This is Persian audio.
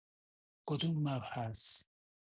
کدوم مبحث